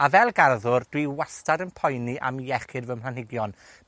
A fel garddwr, dwi wastad yn poeni am iechyd fy mhlanhigion.